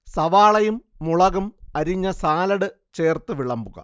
സവാളയും മുളകും അരിഞ്ഞ സലാഡ് ചേർത്ത് വിളമ്പുക